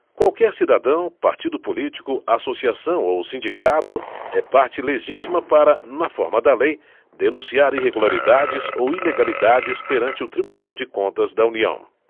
qualquer cidadão partido político associação ou sindicato é parte legítima para na forma da lei denunciar irregularidades ou ilegalidades perante o tribunal de contas da união